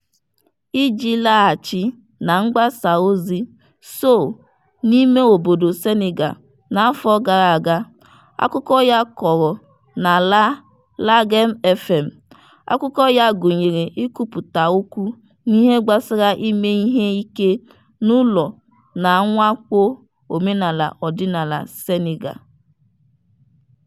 Iji laghachi na mgbasaozi Sow n'imeobodo Senegal n'afọ gara aga: akụkọ ya kọrọ na La Laghem FM, akụkọ ya gụnyere nkwupụta okwu n'ihe gbasara ime ihe ike n'ụlọ na mwakpo omenala ọdịnala Senegal.